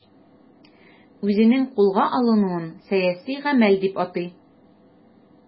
Үзенең кулга алынуын сәяси гамәл дип атый.